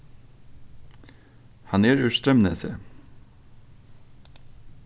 hann er úr streymnesi